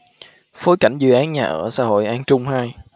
phối cảnh dự án nhà ở xã hội an trung hai